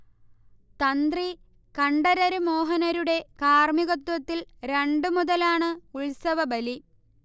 തന്ത്രി കണ്ഠരര് മോഹനരുടെ കാർമികത്വത്തിൽ രണ്ടുമുതലാണ് ഉത്സവബലി